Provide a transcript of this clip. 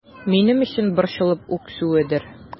Минем өчен борчылып үксүедер...